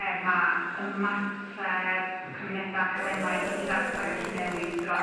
er ma' ymateb cymuneda' academaidd i ddata'n gallu newid dros